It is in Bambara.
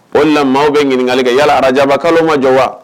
O la maaw bɛ ɲininkakali kɛ yalarajaban kalo majɔ wa